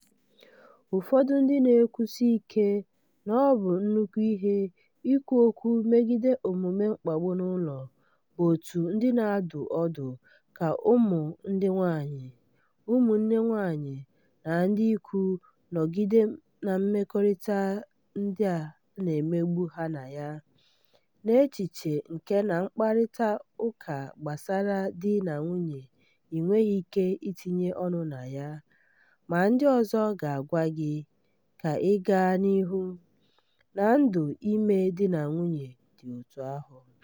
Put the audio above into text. Ụfọdụ ndị na … na-ekwusi ike na ọ bụ nnukwu ihe [ikwu okwu megide omume mkpagbu n'ụlọ], bụ otu ndị na-adụ ọdụ ka ụmụ ndị nwaanyị, ụmụnne nwaanyị, na ndị ikwu nọgide mmekọrịta ndị a na-emegbu ha na ya, n'echiche nke na mkparịtaụka gbasara di na nwunye i nweghị ike itinye ọnụ na ya, ma ndị ọzọ ga-agwa gị ka ị gaa n'ihu, na ndụ n'ime di na nwunye dị etu ahụ...